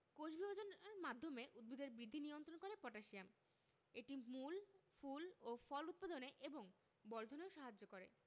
কোষবিভাজনের মাধ্যমে উদ্ভিদের বৃদ্ধি নিয়ন্ত্রণ করে পটাশিয়াম এটি মূল ফুল ও ফল উৎপাদন এবং বর্ধনেও সাহায্য করে